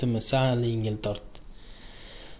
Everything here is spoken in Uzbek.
sal yengil tortdi